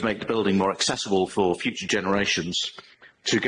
to make the building more accessible for future generations to